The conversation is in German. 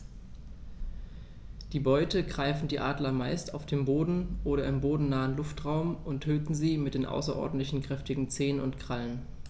Die Beute greifen die Adler meist auf dem Boden oder im bodennahen Luftraum und töten sie mit den außerordentlich kräftigen Zehen und Krallen.